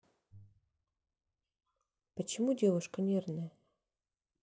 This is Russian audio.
почему девушка нервная